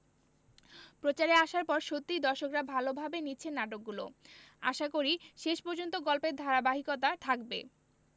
প্রচারে আসার পর সত্যিই দর্শকরা ভালোভাবে নিচ্ছেন নাটকগুলো আশাকরি শেষ পর্যন্ত গল্পের ধারাবাহিকতা থাকবে